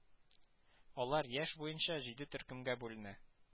Алар яшь буенча җиде төркемгә бүленә